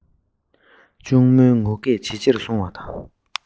གཅུང མོའི ངུ སྐད ཇེ ཆེར སོང བ དང